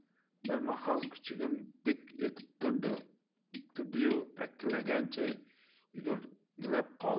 bir mahal kuchugim dik etib turdi yu akillagancha yugurgilab qoldi